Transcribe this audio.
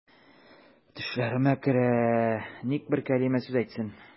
Төшләремә керә, ник бер кәлимә сүз әйтсен.